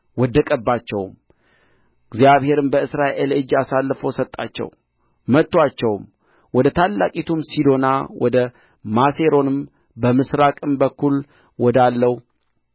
ወደቀባቸውም እግዚአብሔርም በእስራኤል እጅ አሳልፎ ሰጣቸው መቱአቸውም ወደ ታላቂቱም ሲዶና ወደ ማሴሮንም በምሥራቅም በኩል ወዳለው